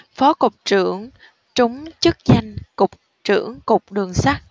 phó cục trưởng trúng chức danh cục trưởng cục đường sắt